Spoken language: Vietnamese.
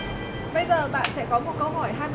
bây giờ bạn sẽ có một câu hỏi hai